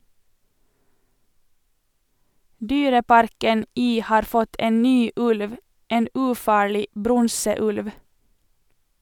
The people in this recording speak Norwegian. Dyreparken i har fått en ny ulv - en ufarlig bronseulv.